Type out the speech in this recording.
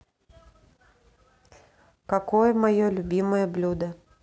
какое мое любимое блюдо